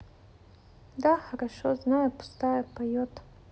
да хорошо знаю пустая поет